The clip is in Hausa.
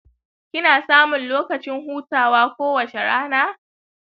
kina samun lokacin hutawa kowacce rana?